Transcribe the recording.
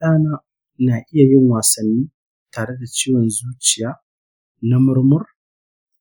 ɗana na iya yin wasanni tare da ciwon zuciya na murmur?